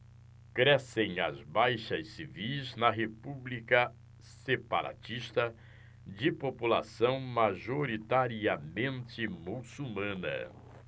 crescem as baixas civis na república separatista de população majoritariamente muçulmana